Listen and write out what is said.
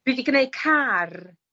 Fi 'di gneud car